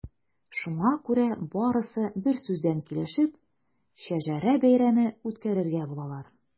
Шуңа күрә барысы берсүздән килешеп “Шәҗәрә бәйрәме” үткәрергә булалар.